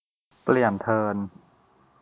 เปลี่ยนเทิร์น